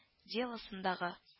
Делосындагы